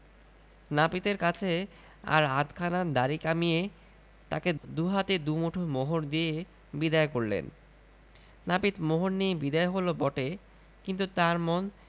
নাপিতের কাছে আর আধখানা দাড়ি কামিয়ে তাকে দু হাতে দু মুঠো মোহর দিয়ে বিদায় করলেন নাপিত মোহর নিয়ে বিদায় হল বটে কিন্তু তার মন